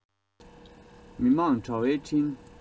མི དམངས དྲ བའི འཕྲིན